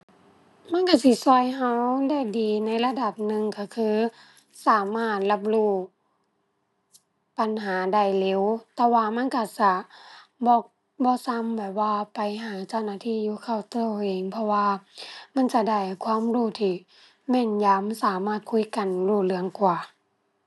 มันก็สิก็ก็ได้ดีในระดับหนึ่งก็คือ สามารถรับรู้ปัญหาได้เร็ว แต่ว่ามันก็จะ บ่ บ่ส่ำแบบว่าไปหาเจ้าหน้าที่อยู่เคาน์เตอร์เอง เพราะว่ามันจะได้ความรู้ที่แม่นยำ สามารถคุยกันรู้เรื่องกว่า